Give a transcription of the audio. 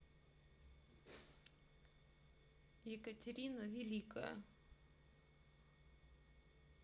екатерина великая